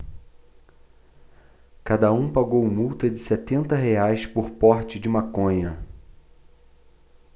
cada um pagou multa de setenta reais por porte de maconha